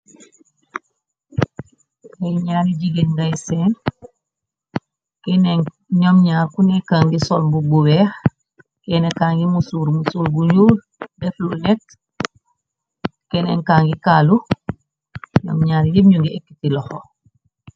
Kay gñaari jigéen ngay seen ñoomñaar kunekan gi sol mbu bu weex kenekangi musuur musur gu nuur def lu nekk kenenka ngi kaalu ñoom ñaar yéb ñu ngi ekkiti loxo.